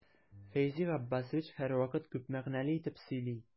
Фәйзи Габбасович һәрвакыт күп мәгънәле итеп сөйли.